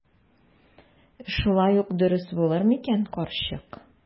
Шулай ук дөрес булыр микән, карчык?